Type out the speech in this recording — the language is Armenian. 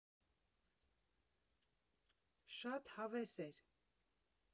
Շատ հավես էր։